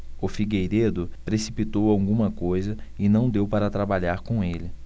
o figueiredo precipitou alguma coisa e não deu para trabalhar com ele